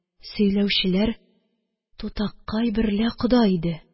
Сөйләүчеләр тутакай берлә кода иде.